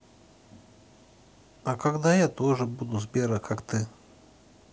а когда я тоже буду сбера как ты